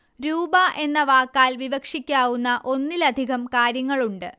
രൂപ എന്ന വാക്കാൽ വിവക്ഷിക്കാവുന്ന ഒന്നിലധികം കാര്യങ്ങളുണ്ട്